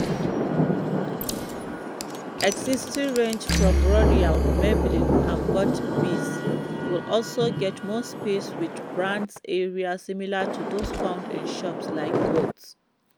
Existing ranges from L'Oreal, Maybelline and Burt's Bees will also get more space with branded areas similar to those found in shops like Boots.